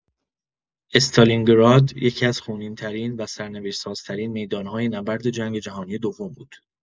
استالینگراد یکی‌از خونین‌ترین و سرنوشت‌سازترین میدان‌های نبرد جنگ جهانی دوم بود.